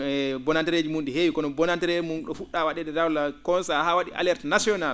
e bonanndereeji mun ?i heewi kono bonanndereeri mun ?o fu??aa wa?eede dal constat haa wa?i alerte national